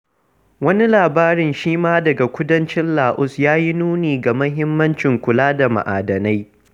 Wani labarin shi ma daga kudancin Laos ya yi nuni ga muhimmancin kula da ma'adanai: